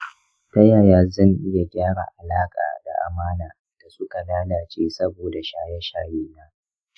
ta yaya zan iya gyara alaƙa da amana da suka lalace saboda shaye-shaye na?